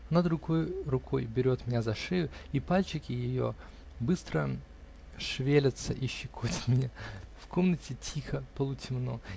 Она другой рукой берет меня за шею, и пальчики ее быстро шевелятся и щекотят меня. В комнате тихо, полутемно